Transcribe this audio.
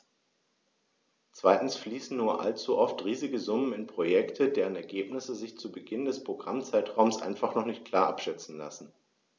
Zweitens fließen nur allzu oft riesige Summen in Projekte, deren Ergebnisse sich zu Beginn des Programmzeitraums einfach noch nicht klar abschätzen lassen.